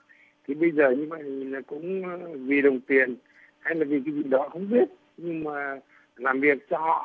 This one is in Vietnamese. thì bây giờ như vậy là cũng vì đồng tiền hay là vì cái gì đó không biết nhưng mà làm việc cho họ